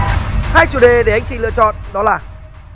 hai chủ đề để anh chị lựa chọn đó là